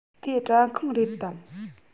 དེ སྐྲ ཁང རེད དམ